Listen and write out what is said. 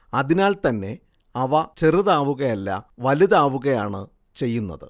അതിനാൽത്തന്നെ അവ ചെറുതാവുകയല്ല വലുതാവുകയാണ് ചെയ്യുന്നത്